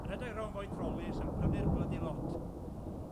yn rhedeg rown 'fo'u trolis yn prynu'r blydi lot.